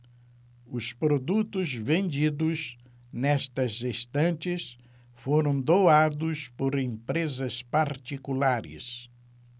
os produtos vendidos nestas estantes foram doados por empresas particulares